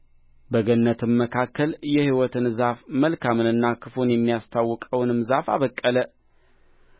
በገነትም መካከል የሕይወትን ዛፍ መልካምንና ክፉን የሚያስታውቀውንም ዛፍ አበቀለ